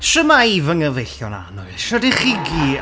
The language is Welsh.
Shwmae fy nghyfeillion annwyl? Shwd y'ch chi gy-